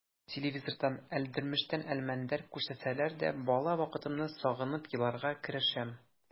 Телевизордан «Әлдермештән Әлмәндәр» күрсәтсәләр дә бала вакытымны сагынып еларга керешәм.